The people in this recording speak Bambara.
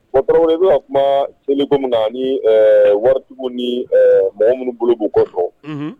Bon tarawele i bɛ ka kuma seliko min kan ani ɛɛ waritigiw ni mɔgɔ minnu bolo b'u kɔ sɔrɔ